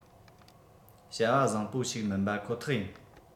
བྱ བ བཟང པོ ཞིག མིན པ ཁོ ཐག ཡིན